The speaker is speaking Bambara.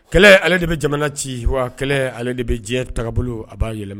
Kɛlɛ ale de bɛ jamana ci wa kɛlɛ ale de bɛ diɲɛ ta bolo a b' yɛlɛma